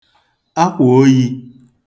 akwà oyī